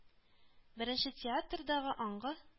Беренче театр дагы аңгы